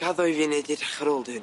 Gaddo i fi neud i edrych ar ôl dy hun.